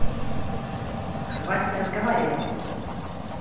хватит разговаривать